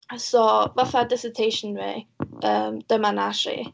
So fatha dissertation fi, yym, dyma wnes i.